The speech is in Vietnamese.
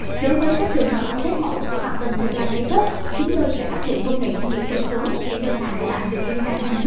đối với các trường hợp in test mẫu hoặc cần thời gian lấy gấp chúng tôi sẽ áp dụng công nghệ in kỹ thuật số để đơn hàng của bạn được in ra nhanh nhất